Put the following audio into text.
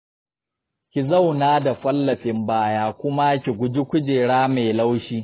ki zauna da fallafin baya, kuma ki guji kujeru masu laushi.